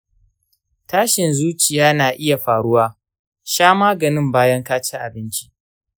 tashin zuciya na iya faruwa; sha maganin bayan ka ci abinci.